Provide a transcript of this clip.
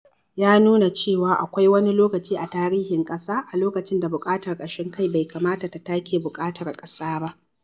Ya nuna cewa akwai "wani lokaci a tarihin ƙasa a lokacin da buƙatar ƙashin kai bai kamata ta take buƙatar ƙasa ba".